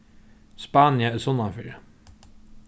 spania er sunnanfyri